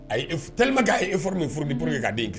A ye effort . tellement que a ye effort min fourni pourque ka den in